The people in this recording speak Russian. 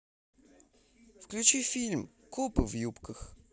включи фильм копы в юбках